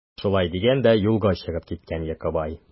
Шулай дигән дә юлга чыгып киткән Йокыбай.